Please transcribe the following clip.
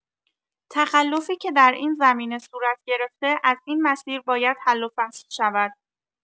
تخلفی که در این زمینه صورت گرفته از این مسیر باید حل و فصل شود.